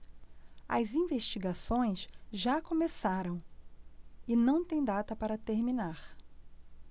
as investigações já começaram e não têm data para terminar